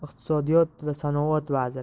iqtisodiyot va sanoat vaziri